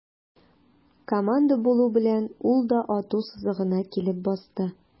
Команда булу белән, ул да ату сызыгына килеп басты.